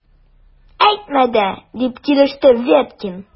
Әйтмә дә! - дип килеште Веткин.